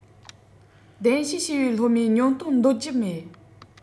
གདན ཞུས བྱས པའི སློབ མའི ཉུང གཏོང འདོད ཀྱི མེད